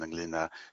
...ynglŷn â